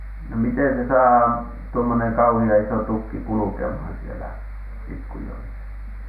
no miten se saadaan tuommoinen kauhean iso tukki kulkemaan siellä pikkujoissa